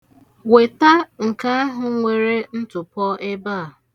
Weta nke ahụ nwere ntụpọ ebe a.